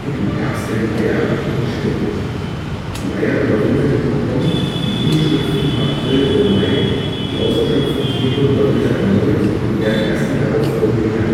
im Herbst dann die Eier ab und stirbt. Die Eier überwintern im Kokon, die Jungen schlüpfen im April/Mai, die ausgeschlüpften Tiere überwintern erneut und werden erst im darauf folgenden Jahr